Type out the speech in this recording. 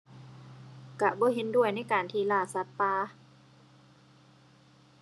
ก็บ่เห็นด้วยในการที่ล่าสัตว์ป่า